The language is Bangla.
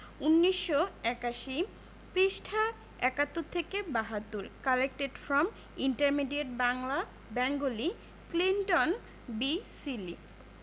১৯৮১ পৃষ্ঠাঃ ৭১ থেকে ৭২ collected from intermediate Bangla Bengali Clinton B Seely